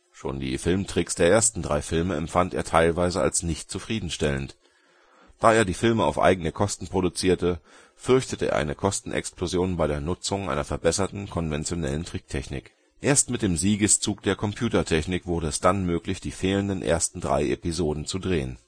Schon die Filmtricks der ersten drei Filme empfand er teilweise als nicht zufriedenstellend. Da er die Filme auf eigene Kosten produzierte, fürchtete er eine Kostenexplosion bei der Nutzung einer verbesserten konventionellen Tricktechnik. Erst mit dem Siegeszug der Computertechnik wurde es dann möglich, die fehlenden ersten drei Episoden zu drehen